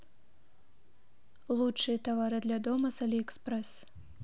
лучшие товары для дома с алиэкспресс